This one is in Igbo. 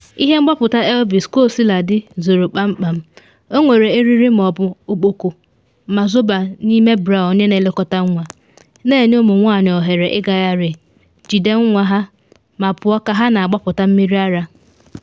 Ihe Mgbapụta Elvie kaosiladị, zoro ezo kpamkpam, ọ nwere eriri ma ọ bụ okpoko ma zobaa n’ime bra onye na elekọta nwa, na enye ụmụ nwanyị ogere ịgagharị, jide nwa ha, ma pụọ ka ha na agbapụta mmiri ara.